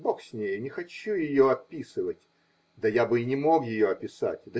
Бог с нею, не хочу ее описывать. Да я бы и не мог ее описать.